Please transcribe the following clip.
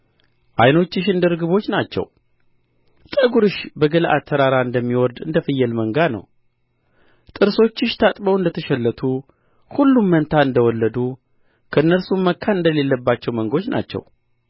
ዓይኖችሽ እንደ ርግቦች ናቸው ጠጕርሽ በገለዓድ ተራራ እንደሚወርድ እንደ ፍየል መንጋ ነው ጥርሶችሽ ታጥበው እንደ ተሸለቱ ሁሉም መንታ እንደ ወለዱ ከእነርሱም መካን እንደሌለባቸው መንጎች ናቸው